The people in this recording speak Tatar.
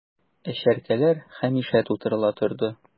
Ә чәркәләр һәмишә тутырыла торды...